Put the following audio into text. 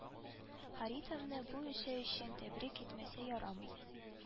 Харитоновны бу эше өчен тәбрик итмәскә ярамый